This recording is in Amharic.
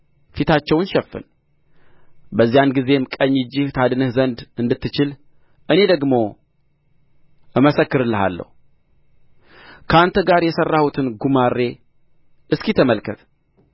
ፊታቸውን ሸፍን በዚያን ጊዜም ቀኝ እጅህ ታድንህ ዘንድ እንድትችል እኔ ደግሞ እመሰክርልሃለሁ ከአንተ ጋር የሠራሁትን ጉማሬ እስኪ ተመልከት